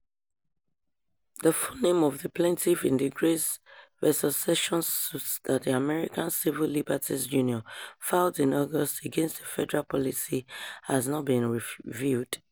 The full name of the plaintiff in the Grace v. Sessions suit that the American Civil Liberties Union filed in August against the federal policy has not been revealed.